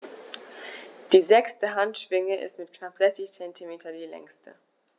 Die sechste Handschwinge ist mit knapp 60 cm die längste.